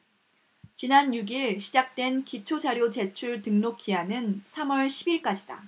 지난 육 일 시작된 기초자료 제출 등록 기한은 삼 월 십 일까지다